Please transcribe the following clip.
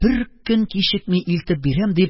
Бер көн кичекми, илтеп бирәм, дип